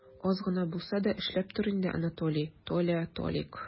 Аз гына булса да эшләп тор инде, Анатолий, Толя, Толик!